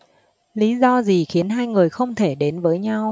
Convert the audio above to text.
lý do gì khiến hai người không thể đến với nhau